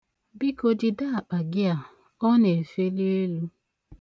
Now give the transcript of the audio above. Biko jide akpa gị a, ọ na-efeli elu.